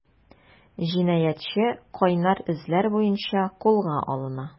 Җинаятьче “кайнар эзләр” буенча кулга алына.